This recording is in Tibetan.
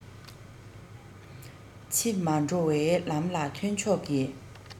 ཕྱི མ འགྲོ བའི ལམ ལ ཐོན ཆོག གྱིས